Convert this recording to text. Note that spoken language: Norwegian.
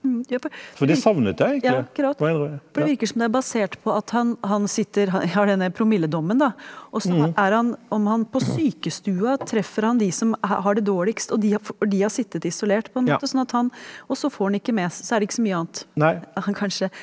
ja på ja akkurat for det virker som om det er basert på at han han sitter han har denne promilledommen da også er han om han på sykestua treffer han de som har det dårligst og de har og de har sittet isolert på en måte sånn at han også får han ikke med seg så er det ikke så mye annet, han kanskje.